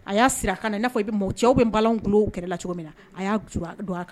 A y'a sira kan n'a fɔ i bɛ ma mɔgɔ cɛw bɛ kɛra la cogo min na a y'a